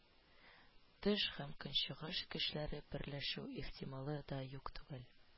Тыш һәм көнчыгыш көчләре берләшү ихтималы да юк түгел